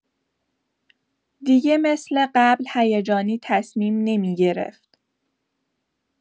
دیگه مثل قبل هیجانی تصمیم نمی‌گرفت.